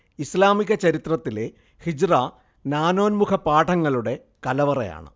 ഇസ്ലാമിക ചരിത്രത്തിലെ ഹിജ്റ നാനോന്മുഖ പാഠങ്ങളുടെ കലവറയാണ്